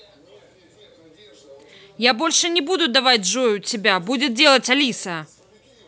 я больше не буду давать джой у тебя будет делать алиса